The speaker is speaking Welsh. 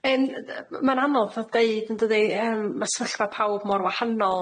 Yym y- y- ma'n anodd a deud, yn dydi? Yym, ma' sefyllfa pawb mor wahanol.